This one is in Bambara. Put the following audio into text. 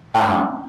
Aɔn